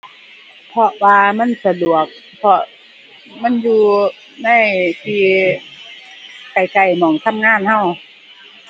เพราะว่ามันสะดวก เพราะมันอยู่ในที่ใกล้ใกล้หม้องทำงานเรา